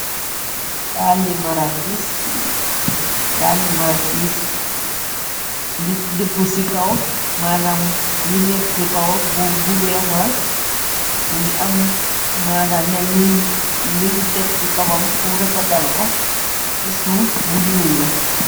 daali marakis depp ci kaw manam li nekk ci kaw boob bu weex la mu ngi am manam melni luñ tek ci kawam bu refetal ko ci suuf bu ñjuul la